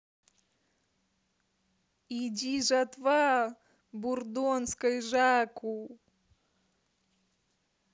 иди жатва бурдонской жаку